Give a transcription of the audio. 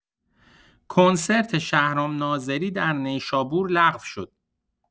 کنسرت شهرام ناظری در نیشابور لغو شد.